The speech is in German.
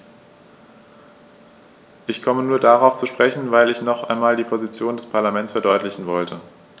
Ich komme nur darauf zu sprechen, weil ich noch einmal die Position des Parlaments verdeutlichen wollte.